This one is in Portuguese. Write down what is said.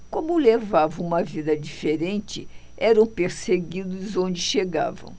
como levavam uma vida diferente eram perseguidos onde chegavam